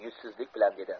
yuzsizlik bilan dedi